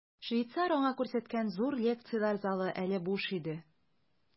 Швейцар аңа күрсәткән зур лекцияләр залы әле буш иде.